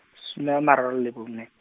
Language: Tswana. some a mararo le bone.